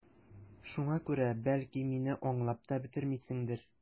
Шуңа күрә, бәлки, мине аңлап та бетермисеңдер...